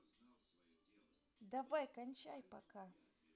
давай кончай пока